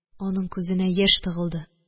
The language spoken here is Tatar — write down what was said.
Аның күзенә яшь тыгылды